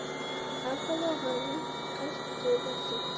avvalo g'anim qasd qilmasin